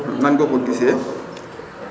nan nga ko gisee